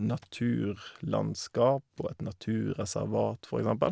naturlandskap og et naturreservat, for eksempel.